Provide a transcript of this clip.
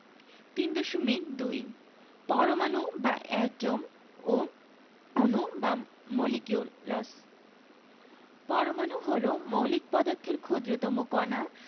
৩.২ পরমাণু বা এটম ও অণু বা মলিকিউলস পরমাণু হলো মৌলিক পদার্থের ক্ষুদ্রতম কণা